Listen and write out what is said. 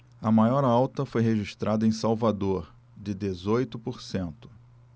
a maior alta foi registrada em salvador de dezoito por cento